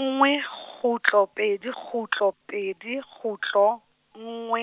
nngwe kgutlo pedi, kgutlo pedi, kgutlo, nngwe,